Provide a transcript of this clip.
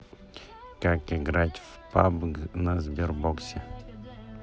как играть в пабг на сбербоксе